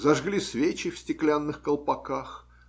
Зажгли свечи в стеклянных колпаках